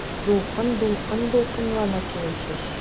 Дулкын-дулкын дулкынлана синең чәч.